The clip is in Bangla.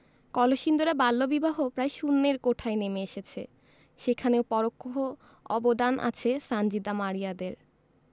কলসিন্দুরে বাল্যবিবাহ প্রায় শূন্যের কোঠায় নেমে এসেছে সেখানেও পরোক্ষ অবদান আছে সানজিদা মারিয়াদের